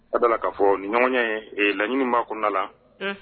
A dala k'a fɔ ɲɔgɔnya ye laɲini kunnada la